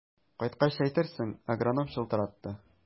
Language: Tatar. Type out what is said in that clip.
Кайткач әйтерсең, агроном чылтыратты.